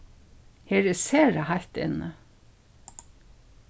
her er sera heitt inni